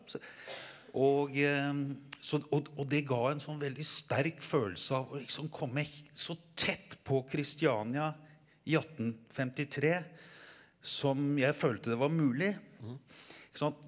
og så og og det ga en sånn veldig sterk følelse av å liksom komme så tett på Christiania i 1853 som jeg følte det var mulig ikke sant.